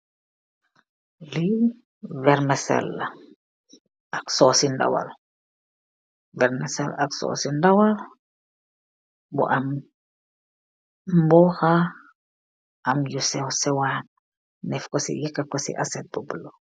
Veermehsen ak souce ndawal